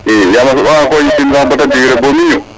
i yam a soɓa nga ko yipin sax bata durer no miƴu